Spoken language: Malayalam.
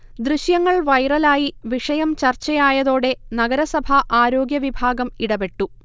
ദൃശ്യങ്ങൾ വൈറലായി വിഷയം ചർച്ചയായതോടെ നഗരസഭാ ആരോഗ്യവിഭാഗം ഇടപെട്ടു